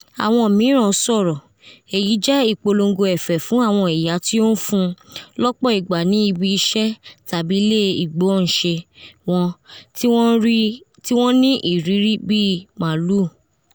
Awọn miiran sọrọ: “Eyi jẹ ipolongo ẹfẹ fun awọn iya ti on fun (lọpọ igba ni ibi iṣẹ tabi ile igbọnsẹ wọn) ti wọn n ni iriri bi “maalu.”